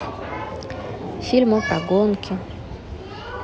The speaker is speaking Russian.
фильмы про гонки